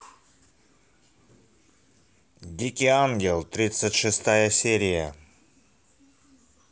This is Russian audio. дикий ангел тридцать шестая серия